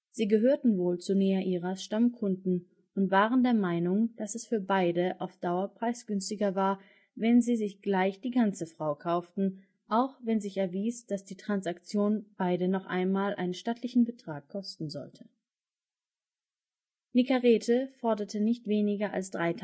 Sie gehörten wohl zu Neairas Stammkunden und waren der Meinung, dass es für beide auf Dauer preisgünstiger war, wenn sie sich gleich die ganze Frau kauften, auch wenn sich erwies, dass die Transaktion beide noch einmal einen stattlichen Betrag kosten sollte. Nikarete forderte nicht weniger als 3.000